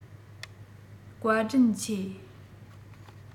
བཀའ དྲིན ཆེ